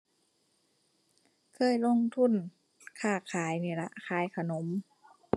เคยลงทุน ค้าขายนี่ล่ะ ขายขนม